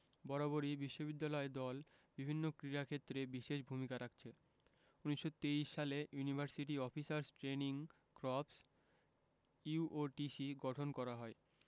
বরাবরই বিশ্ববিদ্যালয় দল বিভিন্ন ক্রীড়াক্ষেত্রে বিশেষ ভূমিকা রাখছে ১৯২৩ সালে university officers training corps UOTC গঠন করা হয়